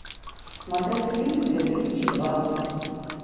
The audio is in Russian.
смотреть фильмы две тысячи двадцать